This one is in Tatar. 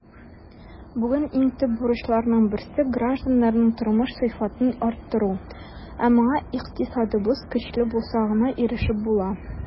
Бүген иң төп бурычларның берсе - гражданнарның тормыш сыйфатын арттыру, ә моңа икътисадыбыз көчле булса гына ирешеп була.